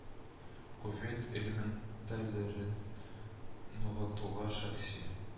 Кувейт элемтәләрен ныгытуга шәхси